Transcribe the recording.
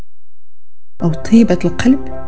طيبه القلب